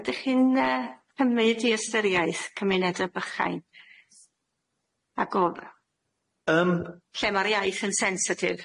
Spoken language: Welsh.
Ydych chi'n yy cymyd i ystyriaeth cymuned y bychain ag o- yym, lle ma'r iaith yn sensitif.